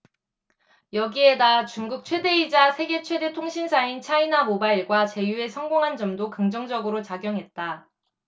여기에다 중국 최대이자 세계 최대 통신사인 차이나모바일과 제휴에 성공한 점도 긍정적으로 작용했다